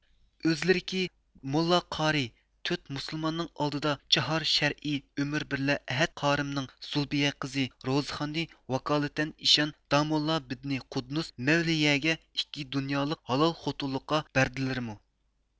ئۆزلىرىكى موللا قارىي تۆت مۇسۇلماننىڭ ئالدىدا چاھار شەرئى ئۆمۈر بىرلە ئەھەت قارىمنىڭ سۇلبىيە قىزى روزىخاننى ۋاكالىتەن ئىشان داموللا بىننى قۇددۇس مەۋلىيەگە ئىككى دۇنيالىق ھالال خوتۇنلۇققا بەردىلىمۇ